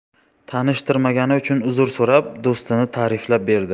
tanishtirmagani uchun uzr so'rab do'stini ta'riflab berdi